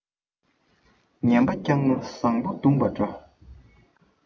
ངན པ བསྐྱངས ན བཟང པོ བརྡུངས པ འདྲ